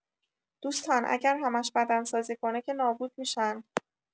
دوستان اگر همش بدنسازی کنه که نابود می‌شن